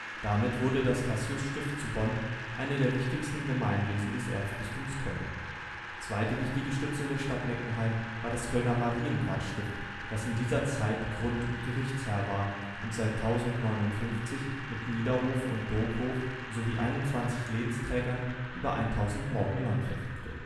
Damit wurde das Cassiusstift zu Bonn eine der wichtigsten Gemeinwesen des Erzbistums Köln. Zweite wichtige Stütze der Stadt Meckenheim war das Kölner Mariengradstift, das in dieser Zeit Grund - und Gerichtsherr war und seit 1059 mit Niederhof und Burghof, sowie 21 Lehensträgern über 1000 Morgen Land verfügte